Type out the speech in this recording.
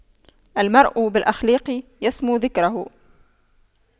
المرء بالأخلاق يسمو ذكره